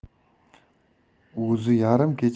o'zi yarim kechagacha ko'cha